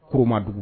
Kurumadugu